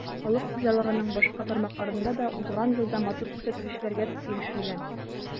Халык хуҗалыгының башка тармакларында да узган елда матур күрсәткечләргә ирешелгән.